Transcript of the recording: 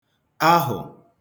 ahụ̀